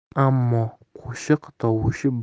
ammo qo'shiq tovushi